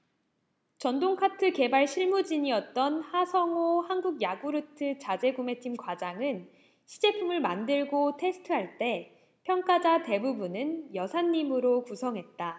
전동카트 개발 실무진이었던 하성오 한국야쿠르트 자재구매팀 과장은 시제품을 만들고 테스트할 때 평가자 대부분은 여사님으로 구성했다